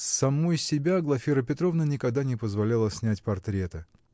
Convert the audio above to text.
С самой себя Глафира Петровна никогда не позволяла снять портрета.